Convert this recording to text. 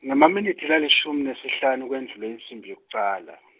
ngamaminitsi lalishumi nesihlanu kwendlule insimbi yekucala.